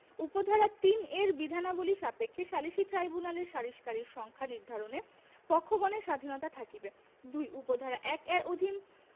উপ ধারা ৩ এর বিধানাবলী সাপেক্ষে সালিসী ট্রাইব্যুনালের সালিসকারীর সংখ্যা নির্ধারণে পক্ষগণের স্বাধীনতা থাকিবে ২ উপ ধারা ১ এর অধীন